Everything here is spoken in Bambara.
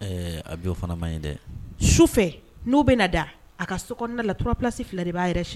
Ɛɛ Abi o fana maɲi dɛ, sufɛ n'o bɛ na da, a ka so kɔnɔna na la trois places fila de b'a yɛrɛ si